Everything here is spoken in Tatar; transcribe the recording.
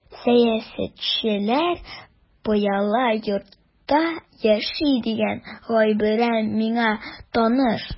Сәясәтчеләр пыяла йортта яши дигән гыйбарә миңа таныш.